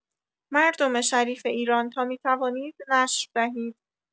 مردم شریف ایران تا می‌توانید نشر دهید